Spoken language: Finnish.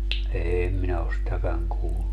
en minä ole sitäkään kuullut